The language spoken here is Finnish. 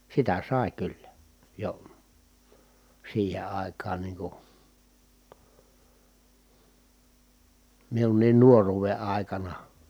sitä sai kyllä jo siihen aikaan niin kuin minunkin nuoruuden aikana